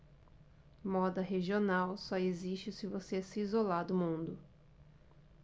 moda regional só existe se você se isolar do mundo